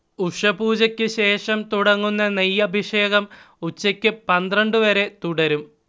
ഉഷഃപൂജക്കുശേഷം തുടങ്ങുന്ന നെയ്യഭിഷേകം ഉച്ചക്ക് പന്ത്രണ്ട് വരെ തുടരും